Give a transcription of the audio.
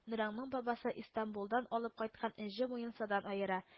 Нораңның бабасы Истанбулдан алып кайткан энҗе муенсадан аера